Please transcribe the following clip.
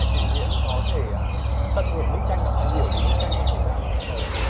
chị diễm có thể tận hưởng bức tranh đó và hiểu được bức tranh trong thời gian sớm